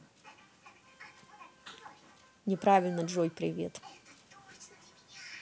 неправильно джой привет